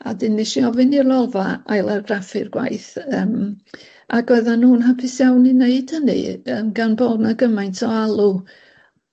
A 'dyn wnes i ofyn i'r Lolfa ail argraffu'r gwaith yym ac oeddan nw'n hapus iawn i wneud hynny yym gan bo' 'na gymaint o alw.